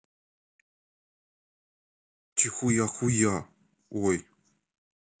чихуя хуя ой